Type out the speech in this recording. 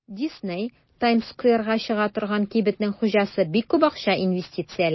Дисней (Таймс-скверга чыга торган кибетнең хуҗасы) бик күп акча инвестицияләгән.